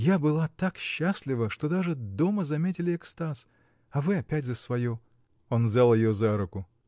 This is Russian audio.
Я была так счастлива, что даже дома заметили экстаз. А вы опять за свое! Он взял ее за руку.